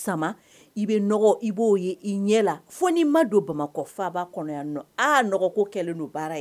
Sama i bɛ i b'o ye i ɲɛ la fo n'i ma don bamakɔ faba kɔnɔ yan nɔgɔ ko kɛlen don baara ye